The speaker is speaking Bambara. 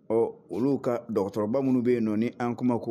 Ɔɔ olu ka dɔgɔtɔrɔba minnu bɛ yennɔ ni an kuma ko